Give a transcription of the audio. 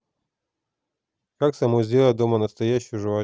как самой сделать дома настоящую жвачку